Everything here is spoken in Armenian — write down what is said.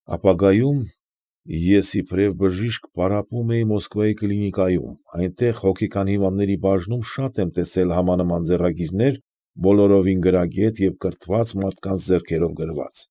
Ապագայում, երբ ես իբրև բժիշկ պարապում էի Մոսկվայի կլինիկայում, այնտեղ, հոգեկան հիվանդների բաժնում շատ եմ տեսել համանման ձեռագիրներ բոլորովին գրագետ և կրթված մարդկանց ձեռքով գրված։